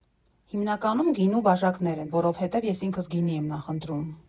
Հիմնականում գինու բաժակներ են, որովհետև ես ինքս գինի եմ նախընտրում։